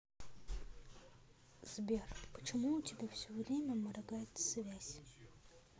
сбер почему у тебя время моргает связь